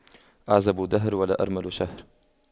أعزب دهر ولا أرمل شهر